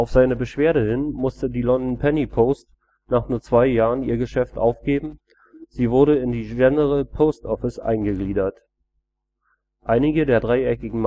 seine Beschwerde hin musste die London Penny Post nach nur zwei Jahren ihr Geschäft aufgeben; sie wurde in die General Post Office eingegliedert. Einige der dreieckigen